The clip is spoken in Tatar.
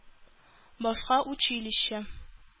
Башка училище